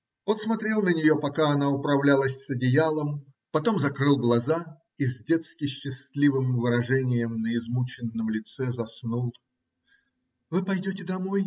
Он смотрел на нее, пока она управлялась с одеялом, потом закрыл глаза и с детски-счастливым выражением на измученном лице заснул. - Вы пойдете домой?